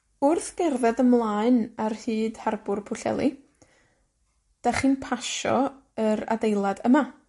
Wrth gerdded ymlaen ar hyd harbwr Pwllheli, 'dach chi'n pasio yr adeilad yma.